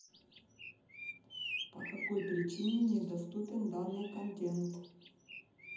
по какой причине недоступен данный контент